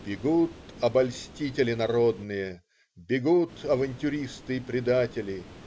Бегут обольстители народные, бегут авантюристы и предатели.